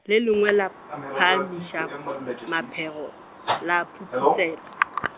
le lengwe la phaamiša, maphego , la phuphusela .